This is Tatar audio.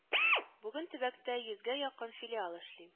Бүген төбәктә йөзгә якын филиал эшли